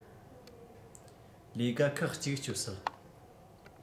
ལས ཀ ཁག གཅིག སྤྱོད སྲིད